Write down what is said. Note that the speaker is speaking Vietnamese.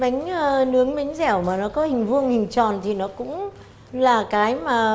bánh nướng bánh dẻo mà nó có hình vuông hình tròn thì nó cũng là cái mà